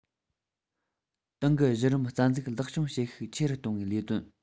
ཏང གི གཞི རིམ རྩ འཛུགས ལེགས སྐྱོང བྱེད ཤུགས ཆེ རུ གཏོང བའི ལས དོན